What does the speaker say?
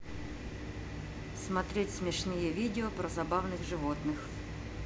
смотреть смешные видео про забавных животных